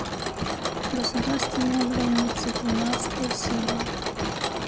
государственная граница тринадцатый фильм